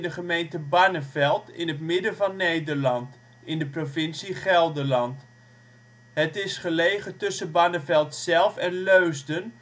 gemeente Barneveld in het midden van Nederland, in de provincie Gelderland. Het is is gelegen tussen Barneveld zelf en Leusden